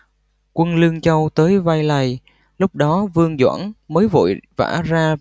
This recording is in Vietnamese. quân lương châu tới vây lầu lúc đó vương doãn mới vội vã ra